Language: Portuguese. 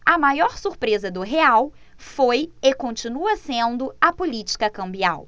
a maior surpresa do real foi e continua sendo a política cambial